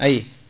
ayi